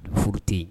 Fu furu tɛ yen